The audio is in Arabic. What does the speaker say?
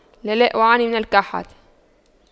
لا لا أعاني من الكحة